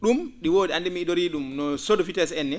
?um ?i woodi anndi mi idorii ?um no SODEFITEX en nii